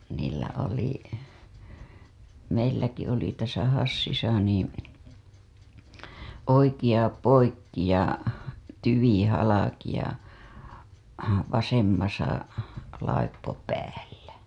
niillä oli meilläkin oli tässä Hassissa niin oikea poikki ja tyvi halki ja vasemmassa laippo päällä